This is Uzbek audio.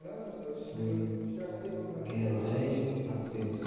bilar so'zlaguday haddi yo'q